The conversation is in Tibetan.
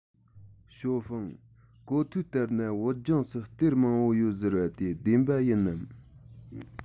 ཞའོ ཧྥུང གོ ཐོས ལྟར ན བོད ལྗོངས སུ གཏེར མང པོ ཡོད ཟེར བ དེ བདེན པ ཡིན ནམ